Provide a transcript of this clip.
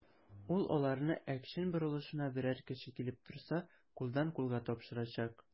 Ул аларны Әкчин борылышына берәр кеше килеп торса, кулдан-кулга тапшырачак.